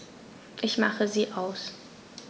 Ich mache sie aus.